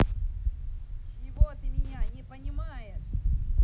чего ты меня не понимаешь